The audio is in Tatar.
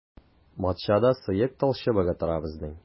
Матчада сыек талчыбыгы тора безнең.